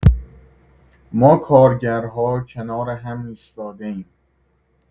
ما کارگرها کنار هم ایستاده‌ایم.